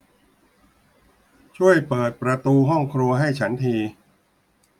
ช่วยเปิดประตูห้องครัวให้ฉันที